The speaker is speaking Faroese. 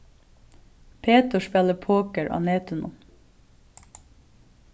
petur spælir poker á netinum